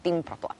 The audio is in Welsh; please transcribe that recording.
Dim problam.